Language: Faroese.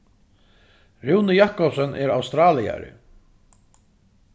rúni jacobsen er australiari